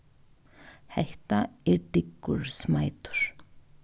hetta er dyggur smeitur